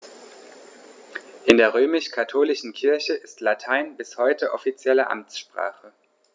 In der römisch-katholischen Kirche ist Latein bis heute offizielle Amtssprache.